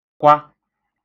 kwa